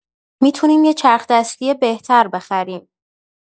می‌تونیم یه چرخ‌دستی بهتر بخریم.